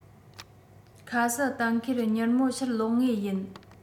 ཁ གསལ གཏན འཁེལ མྱུར མོར ཕྱིར ལོག ངེས ཡིན